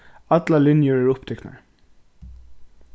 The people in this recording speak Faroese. allar linjur eru upptiknar